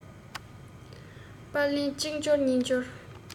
པར ལན གཅིག འབྱོར གཉིས འབྱོར